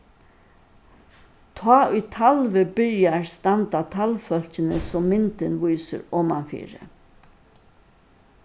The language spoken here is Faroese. tá ið talvið byrjar standa talvfólkini sum myndin vísir omanfyri